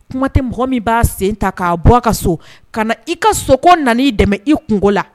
Kuma tɛ mɔgɔ min b'a sen ta k'a bɔ a ka so ka na i ka soko nan i dɛmɛ i kunkolo la